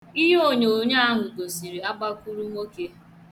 Ihe onyoonyo ahụ gosiri agbakụrụnwoke.